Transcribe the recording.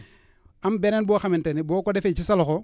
am beneen boo xamante ne boo ko defee ci sa loxo